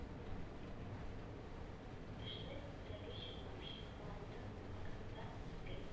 Эшнең үзәге чыгу-чыкмауның фактында түгел.